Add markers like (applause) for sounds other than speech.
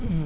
(hesitation) (hesitation)